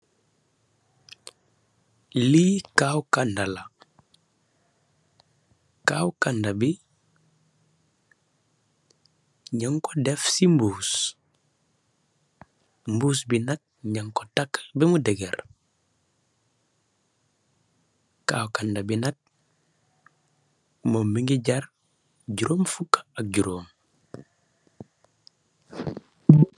Lii kaw kandah la, kaw kandah bii njung kor deff cii mbuss, mbuss bii nak njang kor takk bahmu degerre, kaw kandah bii nak mom mungy jarrre jurom fuka ak jurom.